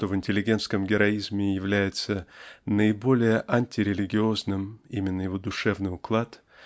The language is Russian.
что в интеллигентском героизме является наиболее антирелигиозным именно его душевный уклад